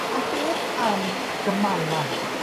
Ond beth am gymalau?